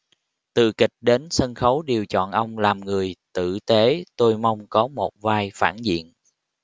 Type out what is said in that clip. từ kịch đến sân khấu đều chọn ông làm người tử tế tôi mong có một vai phản diện